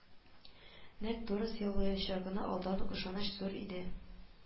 Нәкъ торос яулаячагына алдан ук ышаныч зур иде